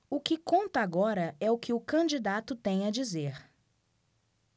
o que conta agora é o que o candidato tem a dizer